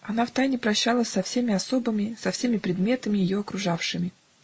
она втайне прощалась со всеми особами, со всеми предметами, ее окружавшими.